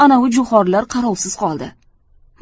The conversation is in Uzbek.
anovi jo'xorilar qarovsiz qoldi